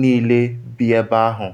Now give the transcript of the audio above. niile bi ebe ahụ.